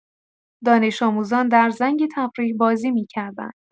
دانش‌آموزان در زنگ تفریح بازی می‌کردند.